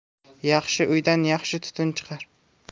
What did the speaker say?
yaxshi uydan yaxshi tutun chiqar